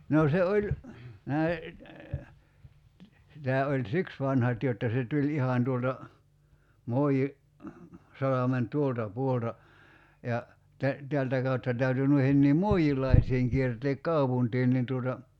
no se oli näin - tämä oli siksi vanhat jotta se tuli ihan tuolta - Moinsalmen tuolta puolelta ja - täältä kautta täytyi noidenkin moilaisten kiertää kaupunkiin niin tuota